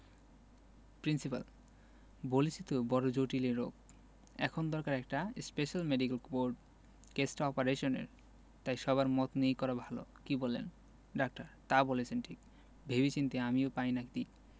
principal বলেছি তো বড় জটিল এ রোগ এখন দরকার একটা স্পেশাল মেডিকেল বোর্ড কেসটা অপারেশনের তাই সবার মত নিয়েই করা ভালো কি বলেন ডাক্তার তা বলেছেন ঠিক ভেবে চিন্তে আমিও পাই না দিক